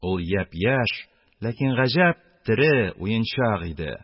Ул япь-яшь, ләкин гаҗәп тере, уенчак иде.